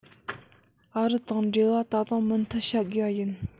ཨ རི དང འབྲེལ བ ད དུང མུ མཐུད བྱ དགོས པ ཡིན